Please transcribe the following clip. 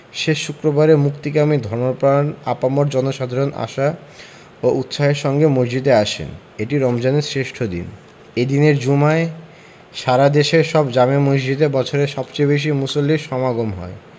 শেষ শুক্রবারে মুক্তিকামী ধর্মপ্রাণ আপামর জনসাধারণ আশা ও উৎসাহের সঙ্গে মসজিদে আসেন এটি রমজানের শ্রেষ্ঠ দিন এ দিনের জুমায় সারা দেশের সব জামে মসজিদে বছরের সবচেয়ে বেশি মুসল্লির সমাগম হয়